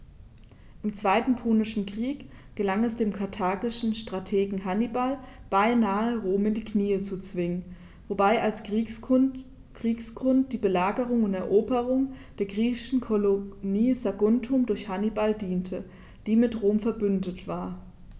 Im Zweiten Punischen Krieg gelang es dem karthagischen Strategen Hannibal beinahe, Rom in die Knie zu zwingen, wobei als Kriegsgrund die Belagerung und Eroberung der griechischen Kolonie Saguntum durch Hannibal diente, die mit Rom „verbündet“ war.